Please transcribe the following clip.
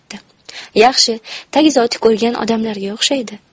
yaxshi tag zoti ko'rgan odamlarga o'xshaydi